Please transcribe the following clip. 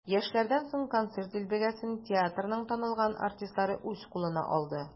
Яшьләрдән соң концерт дилбегәсен театрның танылган артистлары үз кулына алды.